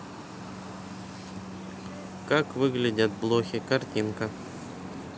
как выглядят блохи картинка